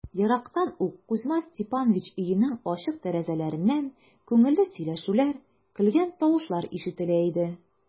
Ерактан ук Кузьма Степанович өенең ачык тәрәзәләреннән күңелле сөйләшүләр, көлгән тавышлар ишетелә иде.